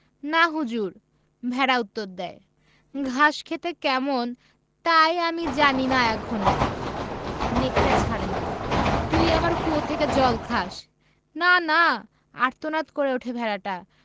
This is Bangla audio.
না হুজুর ভেড়া উত্তর দ্যায় ঘাস খেতে কেমন তাই আমি জানি না এখনো নেকড়ে ছাড়ে না তুই আমার কুয়ো থেকে জল খাস না না আর্তনাদ করে ওঠে ভেড়াটা